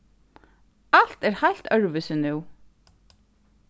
alt er heilt øðrvísi nú